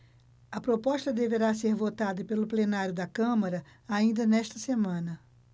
a proposta deverá ser votada pelo plenário da câmara ainda nesta semana